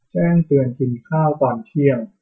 แจ้งเตือนกินข้าวตอนเที่ยง